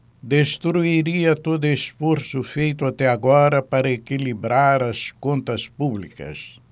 destruiria todo esforço feito até agora para equilibrar as contas públicas